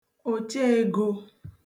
òcheego